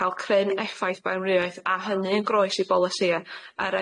ca'l cryn effaith brenhriaeth a hynny yn groes i bolisie er